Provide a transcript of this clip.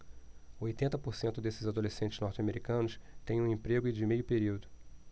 oitenta por cento desses adolescentes norte-americanos têm um emprego de meio período